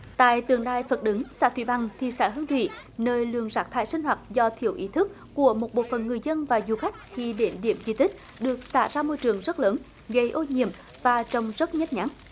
tại tượng đài phật đứng xã thủy bằng thị xã hương thủy nơi lượng rác thải sinh hoạt do thiếu ý thức của một bộ phận người dân và du khách khi đến điểm di tích được xả ra môi trường rất lớn gây ô nhiễm và trông rất nhếch nhác